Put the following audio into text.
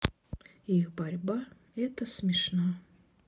их борьба это смешно